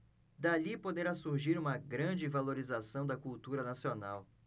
dali poderá surgir uma grande valorização da cultura nacional